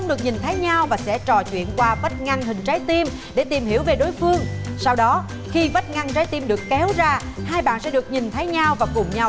được nhìn thấy nhau và sẽ trò chuyện qua vách ngăn hình trái tim để tìm hiểu về đối phương sau đó khi vách ngăn trái tim được kéo ra hai bạn sẽ được nhìn thấy nhau và cùng nhau